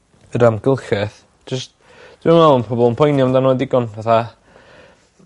Yr amgylcheth. Jyst dwi'm yn me'wl ma' pobol yn poeni amdano fe'n digon fatha